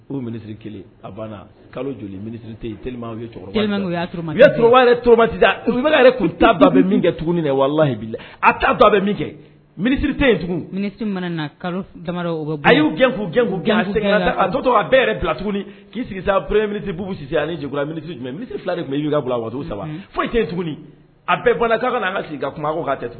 Siri banna kalo joli mini yɛrɛ kunba bɛ min kɛ tugun min na walahi a ta ba bɛ kɛ minisiri tɛ yen tugun kalo dama a y'u gɛn' gɛn k'u kɛ a to a bɛɛ bila tuguni k'i sigi p minitiu ani jo mini jumɛn misi fila de tun y'u bila wa saba foyi tɛ tuguni a bɛɛ bɔla' kan ka sigi ka kuma ko' tɛ tugun